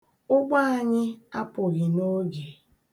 Ụgbọ anyị apụghị n'oge.